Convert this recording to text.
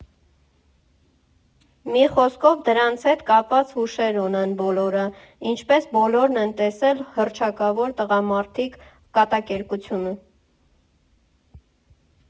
Մի խոսքով, դրանց հետ կապված հուշեր ունեն բոլորը (ինչպես բոլորն են տեսել հռչակավոր «Տղամարդիկ» կատակերգությունը)։